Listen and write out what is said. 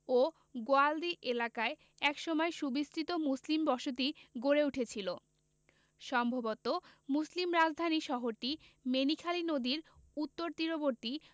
ও গোয়ালদি এলাকায় এক সময় সুবিস্তৃত মুসলিম বসতি গড়ে উঠেছিল সম্ভবত মুসলিম রাজধানী শহরটি মেনিখালী নদীর উত্তর তীরবর্তী